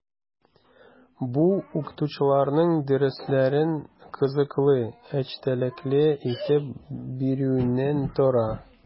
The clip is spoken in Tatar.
Бу – укытучыларның дәресләрен кызыклы, эчтәлекле итеп бирүеннән тора.